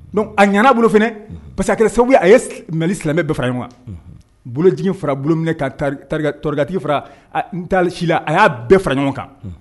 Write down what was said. Don a ɲ bolof pa sababu a ye malili silamɛmɛ bɛɛ fara ye wa boloj fara bolo minɛti fara la a y'a bɛɛ fara ɲɔgɔn kan